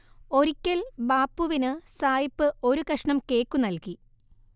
ഒരിക്കൽ ബാപ്പുവിന് സായിപ്പ് ഒരു കഷ്ണം കേക്കു നല്കി